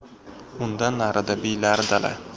undan narida biyday dala